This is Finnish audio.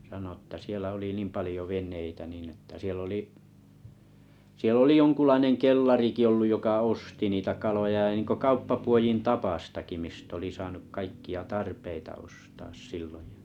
sanoi jotta siellä oli niin paljon veneitä niin että siellä oli siellä oli jonkunlainen kellarikin ollut joka osti niitä kaloja ja niin kuin kauppapuodin tapaistakin mistä oli saanut kaikkia tarpeita ostaa silloin ja